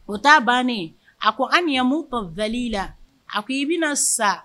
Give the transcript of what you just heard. O t taa bannen a ko an ɲamu tɔ vli la a ko i bɛna sa